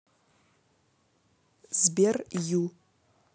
сбер ю